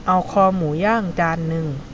เอาคอหมูย่างจานหนึ่ง